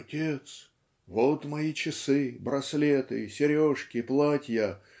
"Отец, вот мои часы, браслеты, сережки, платья.